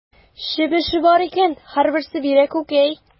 Чебеше бар икән, һәрберсе бирә күкәй.